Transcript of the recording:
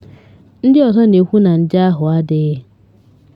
Ndị ọzọ na-ekwu na nje ahụ adịghị.